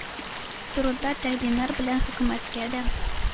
Турында тәкъдимнәр белән хөкүмәткә дә,